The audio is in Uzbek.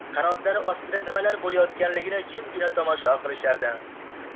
qanotlari ostida nimalar bolayotganligini jimgina tomosha qilishardi